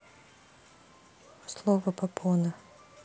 слово попона